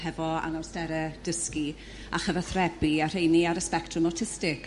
hefo anawstere dysgu a chyfathrebu a rheini ar y sbectrwm awtistig.